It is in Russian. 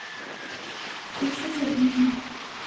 включить админ